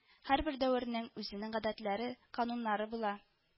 Һәрбер дәвернең үзенең гадәтләре, кануннары була